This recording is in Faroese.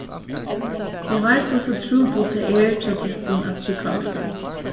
eg veit hvussu trupult tað er hjá tykkum at trúgva mær